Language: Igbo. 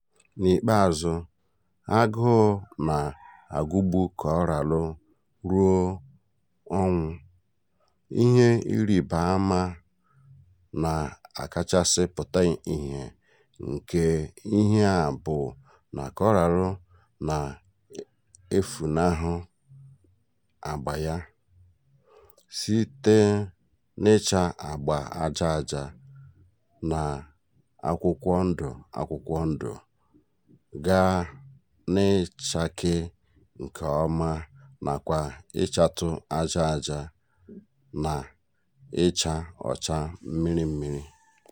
N'ikpeazụ, agụụ na-agụgbụ Koraalụ ruo ọnwụ; ihe ịrịba ama na-akachasị pụta ihe nke ihe a bụ na Koraalụ na-efunahụ agba ya, site n'ịcha agba aja aja na akwụkwọ ndụ akwụkwọ ndụ gaa n'ịchake nke ọma nakwa ichatu aja aja, na icha ọcha mmirimmiri.